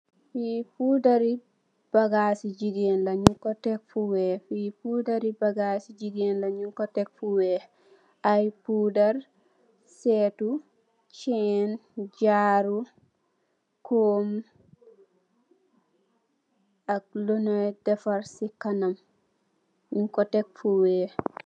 Li poudar bagass si gigeen leen nyung ku tek fu wekh aye poudar aye jaroh, setu chain, comb ak lunyuh dafarr si kanam